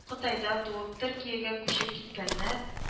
Кытайда туып, Төркиягә күчеп киткәннәр